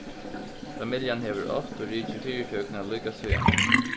familjan hevur átt og rikið fyritøkuna líka síðani